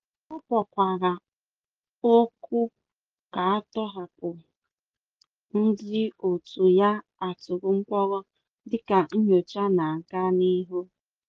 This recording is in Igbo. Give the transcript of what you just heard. Ọ kpọkwara oku ka atọhapụ ndị otu ya atụrụ mkpọrọ dịka nnyocha na-aga n'ihu.